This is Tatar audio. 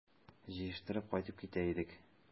Җыештырып кайтып китә идек...